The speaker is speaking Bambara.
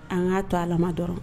An ŋ'a to Ala ma dɔrɔn